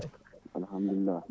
alhamdulilah